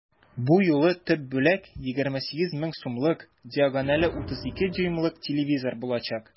Бу юлы төп бүләк 28 мең сумлык диагонале 32 дюймлык телевизор булачак.